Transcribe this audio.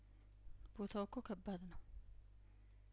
ቦታው እኮ ከባድ ነው